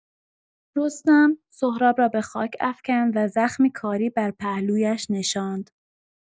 رستم، سهراب را به خاک افکند و زخمی کاری بر پهلویش نشاند.